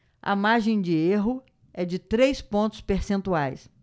a margem de erro é de três pontos percentuais